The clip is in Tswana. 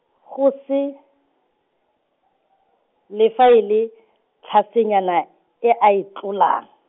go se , le fa e le, tlhasenyana, e a e tlolang.